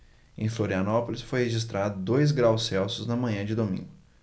em florianópolis foi registrado dois graus celsius na manhã de domingo